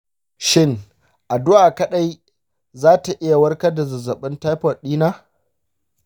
shin addu’a kaɗai za ta iya warkar da zazzabin typhoid ɗina?